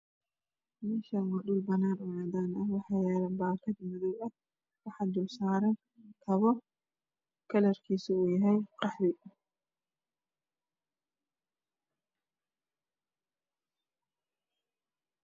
Meshan waa dhul baban oo cadan ah waxayalo baakad madow ah waxa dulsaran kobo kalarkis oow yahay qahwi